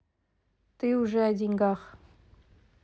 ты уже о деньгах